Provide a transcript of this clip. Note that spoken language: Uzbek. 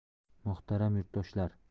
muhtaram yurtdoshlar